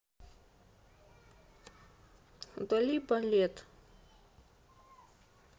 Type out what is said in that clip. удали болет